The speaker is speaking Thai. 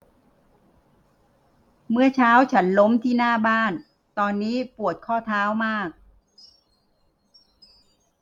เมื่อเช้าฉันล้มที่หน้าบ้านตอนนี้ปวดข้อเท้ามาก